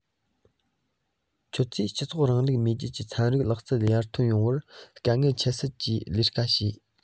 ཁྱེད ཚོས སྤྱི ཚོགས རིང ལུགས མེས རྒྱལ གྱི ཚན རིག ལག རྩལ ཡར ཐོན ཡོང བར དཀའ ངལ ཁྱད བསད ཀྱིས ལས ཀ བྱས